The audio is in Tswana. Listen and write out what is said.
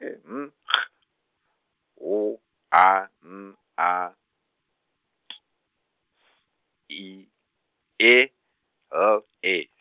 e N G W A N A T S I E L E.